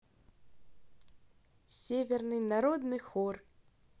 северный народный хор